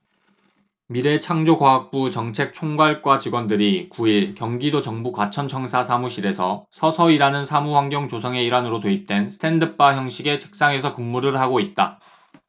미래창조과학부 정책총괄과 직원들이 구 일 경기도 정부과천청사 사무실에서 서서 일하는 사무환경 조성의 일환으로 도입된 스탠드바 형식의 책상에서 근무를 하고 있다